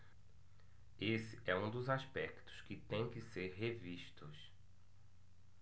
esse é um dos aspectos que têm que ser revistos